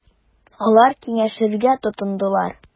Алар киңәшергә тотындылар.